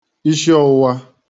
ishiọwụ̄wā